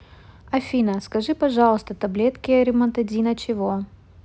афина скажи пожалуйста таблетки ремантадина чего